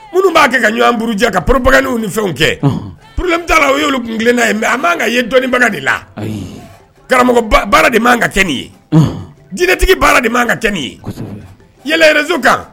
Minnu b'a kɛ ka ɲɔgɔn burujɛ ka pbaw ni fɛnw kɛ poro taara u y'olu kun kelenna ye a man ka ye dɔnniibaga de la karamɔgɔ baara de man ka kɛ nin ye dinɛtigi baara de man ka kɛ nin ye yɛlɛz kan